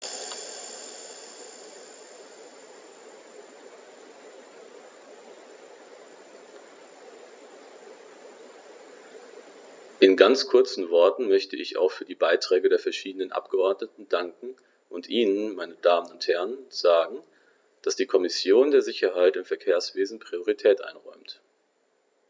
In ganz kurzen Worten möchte ich auch für die Beiträge der verschiedenen Abgeordneten danken und Ihnen, meine Damen und Herren, sagen, dass die Kommission der Sicherheit im Verkehrswesen Priorität einräumt.